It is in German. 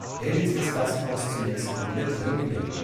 Er ließ das Gasthaus zunächst komplett renovieren